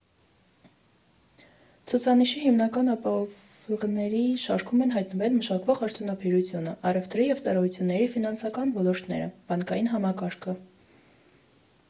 Ցուցանիշի հիմնական ապահովողների շարքում են հայտնվել մշակվող արդյունաբերությունը, առևտրի և ծառայությունների, ֆինանսական ոլորտները, բանկային համակարգը։